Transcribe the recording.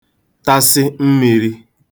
tasị mmīrī